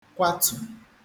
kwatù